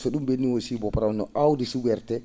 so ?um ?ennii aussi bo para* no aawdi su?ortee